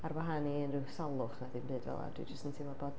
Ar wahân i unrhyw salwch na dim byd fel yna, dwi jyst yn teimlo bod...